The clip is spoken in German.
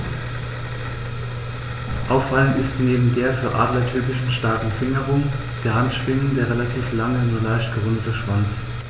Auffallend ist neben der für Adler typischen starken Fingerung der Handschwingen der relativ lange, nur leicht gerundete Schwanz.